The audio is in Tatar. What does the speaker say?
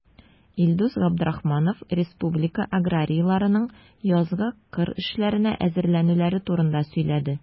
Илдус Габдрахманов республика аграрийларының язгы кыр эшләренә әзерләнүләре турында сөйләде.